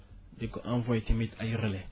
di ko envoyé tamit ay relais